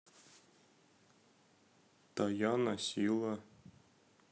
таяна сила